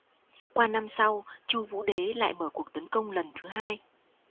qua năm sau chu vũ đế lại mở cuộc tấn công lần thứ hai